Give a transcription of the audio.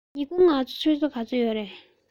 ཉིན གུང ངལ གསོ ཆུ ཚོད ག ཚོད ཡོད རས